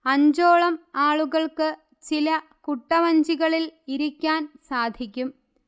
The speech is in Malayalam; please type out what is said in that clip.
അഞ്ചോളം ആളുകൾക്ക് ചില കുട്ടവഞ്ചികളിൽ ഇരിക്കാൻ സാധിക്കും